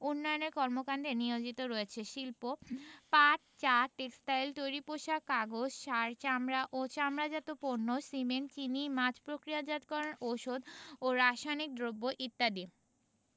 উন্নয়ন কর্মকান্ডে নিয়োজিত রয়েছে শিল্পঃ পাট চা টেক্সটাইল তৈরি পোশাক কাগজ সার চামড়া ও চামড়াজাত পণ্য সিমেন্ট চিনি মাছ প্রক্রিয়াজাতকরণ ঔষধ ও রাসায়নিক দ্রব্য ইত্যাদি